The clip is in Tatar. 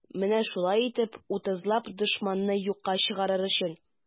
Менә шулай итеп, утызлап дошманны юкка чыгарыр өчен.